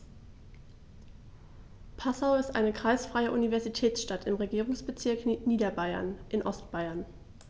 Passau ist eine kreisfreie Universitätsstadt im Regierungsbezirk Niederbayern in Ostbayern.